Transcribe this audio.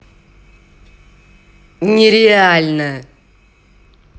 нереально